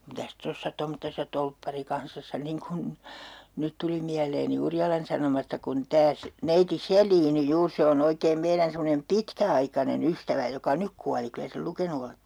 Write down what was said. mitäs tuossa tommoisessa torpparikansassa niin kuin nyt tuli mieleeni Urjalan Sanomasta kun tämä - neiti Selin juuri se on oikein meidän semmoinen pitkäaikainen ystävä joka nyt kuoli kyllä sen lukenut olette